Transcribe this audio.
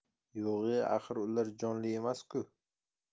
yo'g' e axir ular jonli emas ku